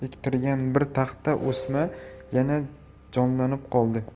ektirgan bir taxta o'sma yana jonlanib qoldi